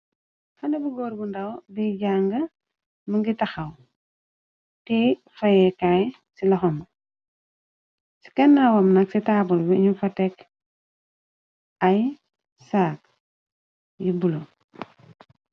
Xale bu góor bu ndaw boi janga mungi taxaw té fayékaay ci loxama ci gannaawam nak ci taabul bi nyun fa tekk ay saag yu bulu.